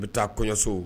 N bɛ taa kɔɲɔso